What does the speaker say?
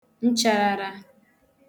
nchārārā